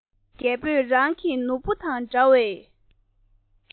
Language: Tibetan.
རྒད པོས རང གི ནོར བུ དང འདྲ བའི